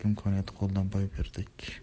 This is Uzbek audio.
imkoniyatni qo'ldan boy berdik